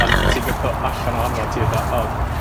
Ond ti'n d- dod o allan ohono fo. Ti fatha, o